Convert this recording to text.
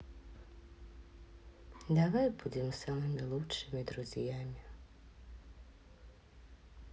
давай будем самыми лучшими друзьями